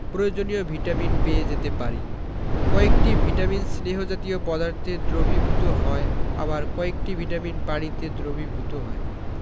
প্রয়োজনীয় ভিটামিন পেয়ে যেতে পারি কয়েকটি ভিটামিন স্নেহ জাতীয় পদার্থে দ্রবীভূত হয় আবার কয়েকটি ভিটামিন পানিতে দ্রবীভূত হয়